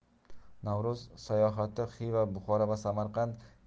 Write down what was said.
navro'z sayohati xiva buxoro va samaqand